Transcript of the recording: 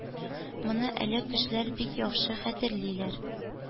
Моны әле кешеләр бик яхшы хәтерлиләр.